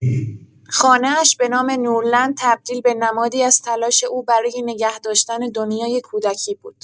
خانه‌اش به نام نورلند تبدیل به نمادی از تلاش او برای نگه‌داشتن دنیای کودکی بود.